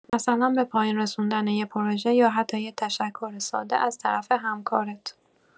مثلا به پایان رسوندن یه پروژه، یا حتی یه تشکر ساده از طرف همکارت.